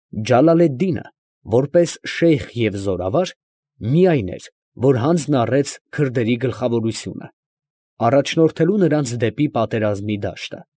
Ջալալեդդինը, որպես շեյխ և զորավար, միայն էր, որ հանձն առեց քրդերի գլխավորությունը, առաջնորդելու նրանց դեպի պատերազմի դաշտը։